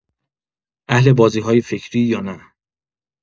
اهل بازی‌های فکری‌ای یا نه؟